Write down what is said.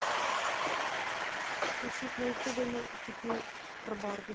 включить на ютубе мультики про барби